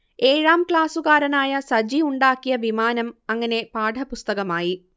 ഏഴാം ക്ലാസ്സുകാരനായ സജി ഉണ്ടാക്കിയ വിമാനം അങ്ങനെ പാഠപുസ്തകമായി